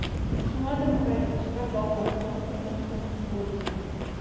Шуңадыр, мөгаен, шәһәр балалары кансыз, мәрхәмәтсез булып үсә.